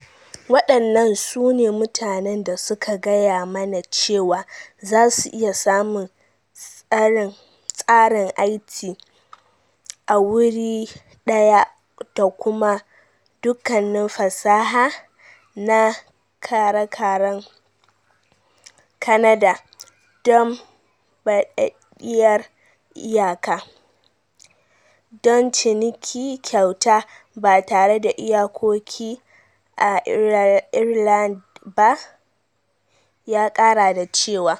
‘Waɗannan su ne mutanen da suka gaya mana cewa za su iya samun tsarin IT a wuri daya da kuma dukkanin fasaha na kara-karan Canada, don badaddiyar iyaka, don ciniki kyauta ba tare da iyakoki a Ireland ba,’ ya kara da cewa.